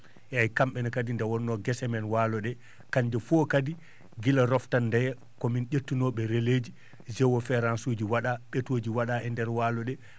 eeyi kam?e ne kadi nde wonno gese men waalo ?e kannje fof kadi gila roftanndeya ko min ?ettunoo?e relais ji géoférence uji wa?a ?etoji wa?a e nder waalo ?e